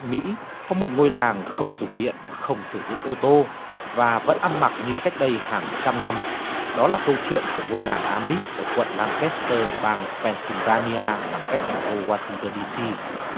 mỹ có một ngôi làng không dùng điện không sử dụng ô tô và vẫn ăn mặc như cách đây hàng trăm năm đó là câu chuyện của ngôi làng a mít ở quận lan cét tơ bang ben xi van ni a nằm cách thủ đô oa sinh tơn đi xi